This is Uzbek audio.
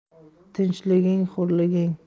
tinchliging hurliging